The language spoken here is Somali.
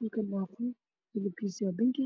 Ninkan waa qol midabkiisu waa caddeysa